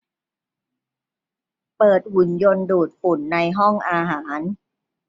เปิดหุ่นยนต์ดูดฝุ่นในห้องอาหาร